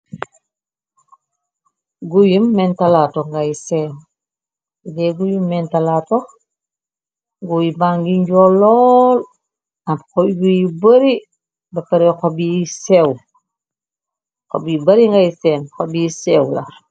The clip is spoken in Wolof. Guuntatnaleeguyum mentalaatox guuy bàngi njoolool at xo by brbapare xa bi bari ngay seen xa bi seew la.